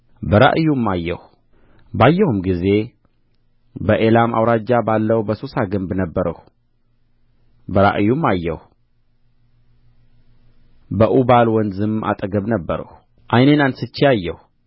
በራእዩም አየሁ ባየሁም ጊዜ በኤላም አውራጃ ባለው በሱሳ ግንብ ነበርሁ በራእዩም አየሁ በኡባል ወንዝም አጠገብ ነበርሁ ዓይኔን አንሥቼ አየሁ